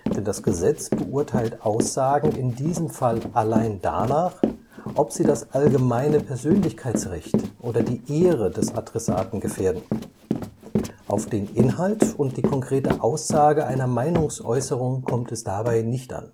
Denn das Gesetz beurteilt Aussagen in diesem Fall allein danach, ob sie das Allgemeine Persönlichkeitsrecht oder die Ehre des Adressaten gefährden. Auf den Inhalt und die konkrete Aussage einer Meinungsäußerung kommt es dabei nicht an